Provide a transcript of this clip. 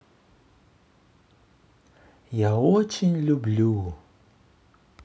я очень люблю